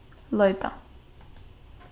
leita